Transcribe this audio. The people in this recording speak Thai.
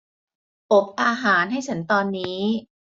อบอาหารให้ฉันตอนนี้